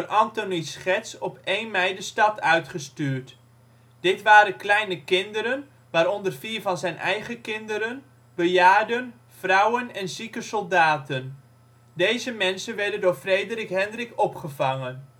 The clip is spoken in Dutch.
Anthonie Schets op 1 mei de stad uitgestuurd. Dit waren kleine kinderen, waaronder vier van zijn eigen kinderen, bejaarden, vrouwen en zieke soldaten. Deze mensen werden door Frederik Hendrik opgevangen